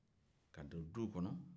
ka don duw kɔnɔ